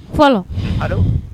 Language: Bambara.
Fɔlɔ